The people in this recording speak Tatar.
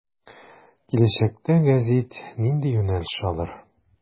Киләчәктә гәзит нинди юнәлеш алыр.